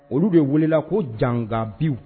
Olu bɛ wulila ko jangabi